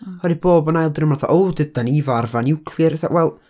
Oherwydd bob yn ail diwrnod ma' fatha, o, dan ni 'fo arfa niwclear, fatha, wel...